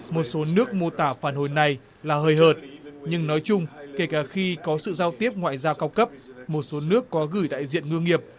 một số nước mô tả phản hồi này là hời hợt nhưng nói chung kể cả khi có sự giao tiếp ngoại giao cao cấp một số nước có gửi đại diện ngư nghiệp